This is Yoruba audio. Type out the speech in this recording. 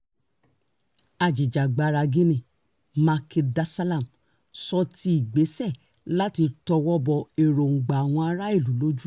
Ajìjàǹgbara Guinea Macky Darsalam sọ ti ìgbésẹ̀ láti tọwọ́ bọ èròńgbà àwọn ará ìlú lójú: